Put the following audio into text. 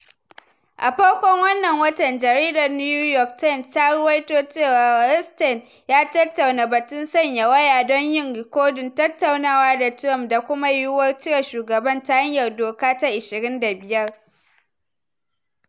A farkon wannan watan, jaridar New York Times ta ruwaito cewa Rosenstein ya tattauna batun sanya waya don yin rikodin tattaunawa da Trump da kuma yiwuwar cire shugaban ta hanyar doka ta 25.